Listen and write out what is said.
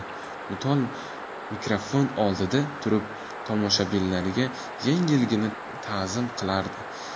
mutal mikrafon oldida turib tomoshabinlarga yengilgina ta'zim qilardi